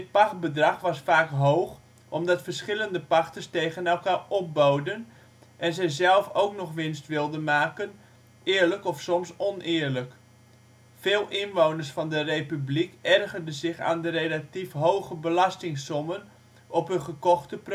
pachtbedrag was vaak hoog, omdat verschillende pachters tegen elkaar op boden — en zij zelf ook nog winst wilde maken, eerlijk of soms oneerlijk. Veel inwoners van de Republiek ergerden zich aan de relatief hoge belastingsommen op hun gekochte producten